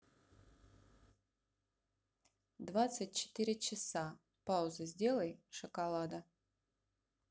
двадцать четыре часа паузу сделай шоколада